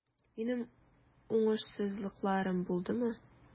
Минем уңышсызлыкларым булдымы?